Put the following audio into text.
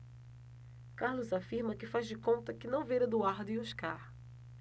carlos afirma que faz de conta que não vê eduardo e oscar